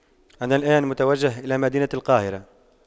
أنا الآن متوجه إلى مدينة القاهرة